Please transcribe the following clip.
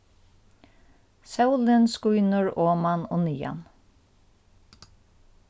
sólin skínur oman og niðan